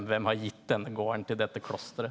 hvem har gitt denne gården til dette klosteret?